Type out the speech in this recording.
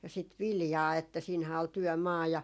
ja sitä viljaa että siinähän oli työmaa ja